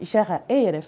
I se e yɛrɛ fɛ